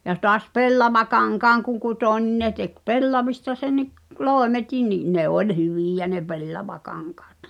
ja taas pellavakankaan kun kutoi niin ne teki pellavista senkin loimetkin niin ne oli hyviä ne pellavakankaat